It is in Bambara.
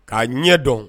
K'a ɲɛ dɔn